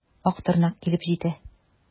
Актырнак килеп җитә.